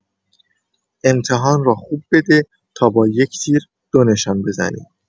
امتحان را خوب بده تا با یک تیر دو نشان بزنی.